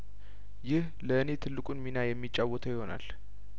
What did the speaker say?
ይህ ለእኔ ትልቁን ሚና የሚጫወተው ይሆናል